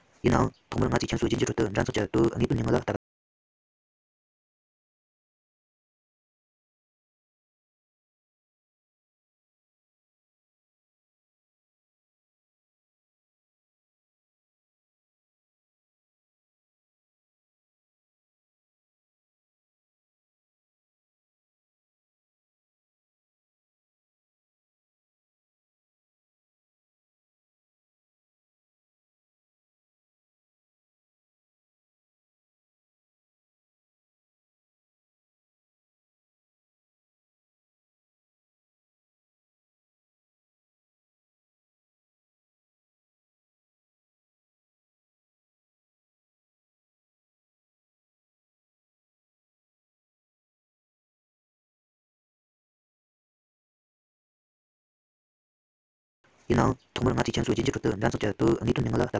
ཡིན ནའང ཐོག མར ང ཚོས ཁྱིམ གསོས རྒྱུད འགྱུར ཁྲོད དུ འདྲ མཚུངས ཀྱི དངོས དོན ཉུང ངུ ལ བལྟ དང